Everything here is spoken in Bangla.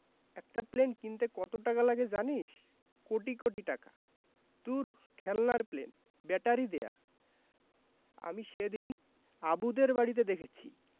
একটা প্লেন কিনতে কত টাকা লাগে জানিস কোটি কোটি টাকা দূর খেলনার প্লেন ব্যাটারি দেয়া আমি সেদিন আবুদের বাড়িতে দেখেছি